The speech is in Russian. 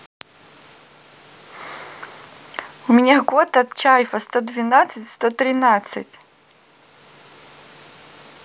у меня кот от чайфа сто двенадцать сто тринадцать